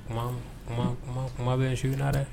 Kuma ?kuma? kuma bɛ yen su in na dɛ!